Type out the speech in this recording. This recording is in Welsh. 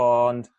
ond